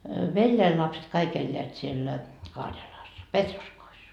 veljeni lapset kaikki elävät siellä Karjalassa Petroskoissa